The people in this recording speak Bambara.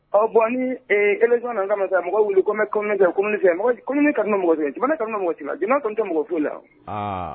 Ɔ bɔn ni ej nana ka mɔgɔ wuli kɔmiɛ kɛ ka mɔgɔtigɛ jamana ka mɔgɔti la jamana tun tɛ mɔgɔ foyi la